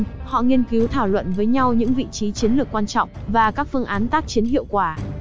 họ nghiên cứu thảo luận với nhau những vị trí chiến lược quan trọng và các phương án tác chiến hiệu quả